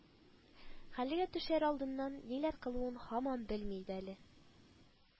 Хәлгә төшәр алдыннан ниләр кылуын һаман белми иде әле